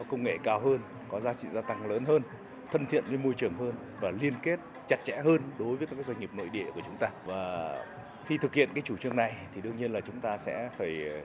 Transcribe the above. có công nghệ cao hơn có giá trị gia tăng lớn hơn thân thiện với môi trường hơn và liên kết chặt chẽ hơn đối với các doanh nghiệp nội địa của chúng ta và khi thực hiện các chủ trương này thì đương nhiên là chúng ta sẽ phải